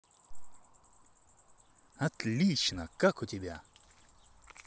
отлично как у тебя